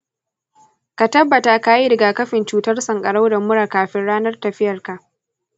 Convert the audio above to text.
ka tabbata ka yi rigakafin cutar sankarau da mura kafin ranar tafiyarka.